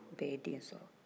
bɛɛ ye den sɔrɔ